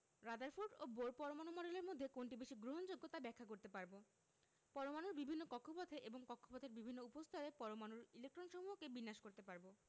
Rutherford ও Bohr পরমাণু মডেলের মধ্যে কোনটি বেশি গ্রহণযোগ্য তা ব্যাখ্যা করতে পারব পরমাণুর বিভিন্ন কক্ষপথে এবং কক্ষপথের বিভিন্ন উপস্তরে পরমাণুর ইলেকট্রনসমূহকে বিন্যাস করতে পারব